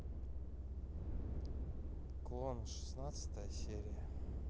клон шестнадцатая серия